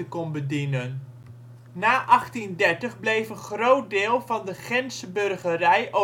kon bedienen. Na 1830 bleef een groot deel van de Gentse burgerij oranjegezind